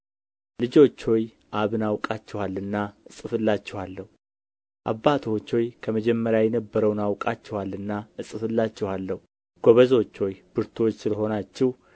ልጆች ሆይ አብን አውቃችኋልና እጽፍላችኋለሁ አባቶች ሆይ ከመጀመሪያ የነበረውን አውቃችኋልና እጽፍላችኋለሁ ጐበዞች ሆይ ብርቱዎች ስለ ሆናችሁ